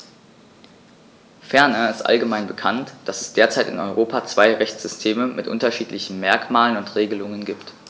Ferner ist allgemein bekannt, dass es derzeit in Europa zwei Rechtssysteme mit unterschiedlichen Merkmalen und Regelungen gibt.